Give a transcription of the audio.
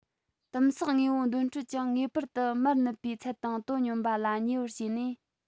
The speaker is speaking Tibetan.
དིམ བསགས དངོས པོའི འདོན སྤྲོད ཀྱང ངེས པར དུ མར ནུབ པའི ཚད དང དོ སྙོམས པ ལ ཉེ བར བྱས ནས